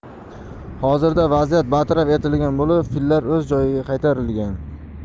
hozirda vaziyat bartaraf etilgan bo'lib fillar o'z joyiga qaytarilgan